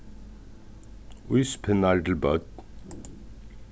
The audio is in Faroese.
íspinnar til børn